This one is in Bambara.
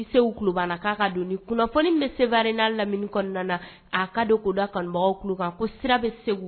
Seguba k'a ka don kunnafoni bɛ sebaaren nina lamini kɔnɔna kɔnɔna na a ka don'da kanubagaw kan ko sira bɛ segu